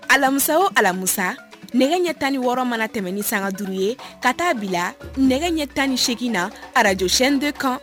Alamisa o alamisa nɛgɛ ɲɛ tan ni wɔɔrɔ mana tɛmɛn ni sangajuru ye ka taa a bila nɛgɛ ɲɛ tan ni8egin na arajoc de kan